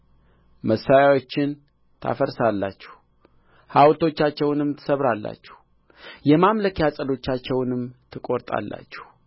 መሠዊያዎቻቸውን ታፈርሳላችሁ ሐውልቶቻቸውንም ትሰብራላችሁ የማምለኪያ ዓፀዶቻቸውንም ትቈርጣላችሁ